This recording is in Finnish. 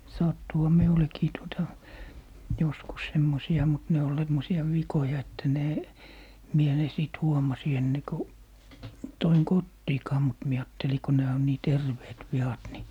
sattuihan minullekin tuota joskus semmoisia mutta ne oli semmoisia vikoja että ne minä ne sitten huomasin ennen kuin toin kotiinkaan mutta minä ajattelin kun nämä on niin terveet viat niin